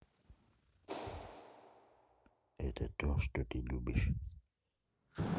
это то что ты любишь